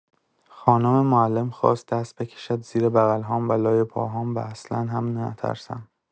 خانم معلم خواست دست بکشد زیر بقل‌هام و لای پاهام و اصلا هم نترسم.